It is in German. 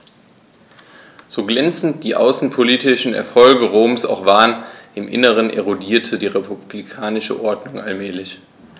So glänzend die außenpolitischen Erfolge Roms auch waren: Im Inneren erodierte die republikanische Ordnung allmählich.